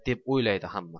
deb o'ylaydi hamma